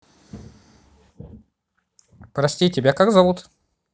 прости тебя как зовут